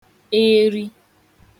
eri